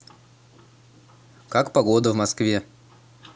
как погода в москве